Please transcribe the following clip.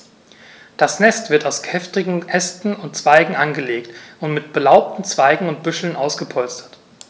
Das Nest wird aus kräftigen Ästen und Zweigen angelegt und mit belaubten Zweigen und Büscheln ausgepolstert.